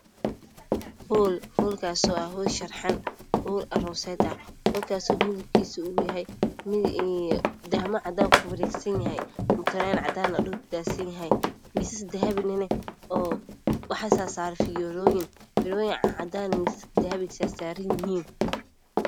Waa hool aada u qurux badan dhulku waa mutulaal cadaan waxaa yaalo miisaas waxaa saaran maro cadaan waxaa iga muuqda ubaxyo